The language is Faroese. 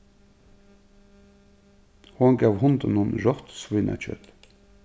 hon gav hundinum rátt svínakjøt